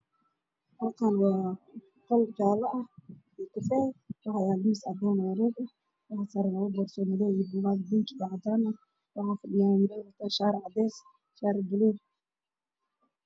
Halkaan waa qol jaallo ah waxaa yaala miis cadaan madow eh waxaa saaran labo boorso madow eh iyo buugaag bin iyk cadaan eh waxaa fadhiyaan wiilal shaar cadaan ah shaar baluug.